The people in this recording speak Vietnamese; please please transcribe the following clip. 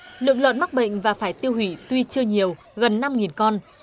lượng lợn mắc bệnh và phải tiêu hủy tuy chưa nhiều gần năm nghìn con